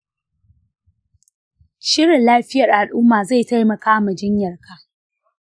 shirin lafiyan al'umma zai taimaka ma jinyarka.